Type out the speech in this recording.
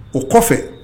O kɔfɛ